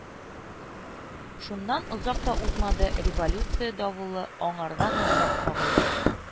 Шуннан озак та узмады, революция давылы аңарга ныграк кагылды